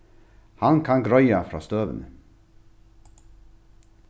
hann kann greiða frá støðuni